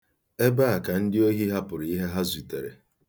Ebe a bụ ebe ndị ohi hapụrụ ihe ha zutere